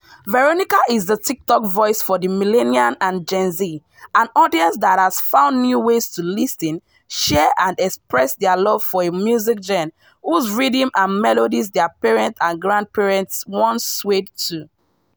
Veronica is the TikTok voice for the millennial and Gen Z — an audience that has found new ways to listen, share and express their love for a music genre whose rhythm and melodies their parents & grandparents once swayed to.